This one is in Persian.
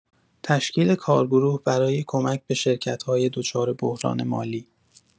تشکیل کارگروه برای کمک به شرکت‌های دچار بحران مالی